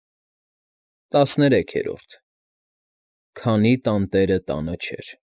ՏԱՍՆԵՐԵՔԵՐՈՐԴ ՔԱՆԻ ՏԱՆՏԵՐԸ ՏԱՆԸ ՉԷՐ։